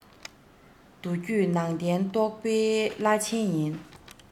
མདོ རྒྱུད ནང བསྟན རྟོགས པའི བླ ཆེན ཡིན